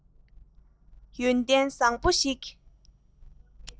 ཡོན ཏན བཟང བོ ཞིག